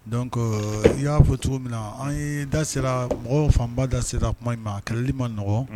Don ko i y'a fɔ cogo min na an ye da sera mɔgɔw fanba da sera tuma in ma kɛlɛli ma n nɔgɔ